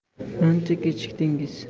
ancha kechikdingiz